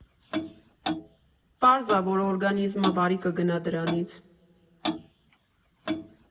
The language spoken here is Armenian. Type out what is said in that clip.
Պարզ ա, որ օրգանիզմը վարի կգնա դրանից։